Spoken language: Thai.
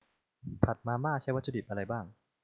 ผัดมาม่าใช้วัตถุดิบอะไรบ้าง